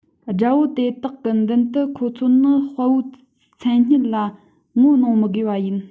དགྲ བོ དེ དག གི མདུན དུ ཁོ ཚོ ནི དཔའ བོའི མཚན སྙན ལ ངོ གནོང མི དགོས པ ཡིན